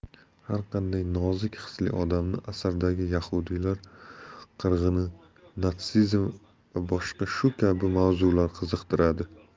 har qanday nozik hisli odamni asardagi yahudiylar qirg'ini natsizm va boshqa shu kabi mavzular qiziqtiradi